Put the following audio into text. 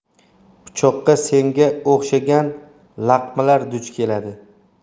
pichoqqa senga o'xshagan laqmalar duch keladi